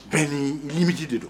Bɛɛ ni minmiji de don